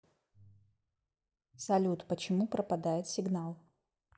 салют почему пропадает сигнал